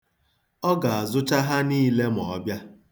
Ọ ga-azụcha ha niile ma ọ bịa.